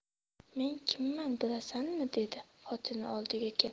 men kimman bilasanmi dedi xotini oldiga kelib